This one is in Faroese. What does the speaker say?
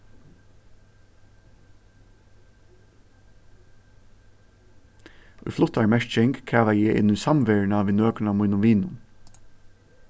í fluttari merking kavaði eg inn í samveruna við nøkrum av mínum vinum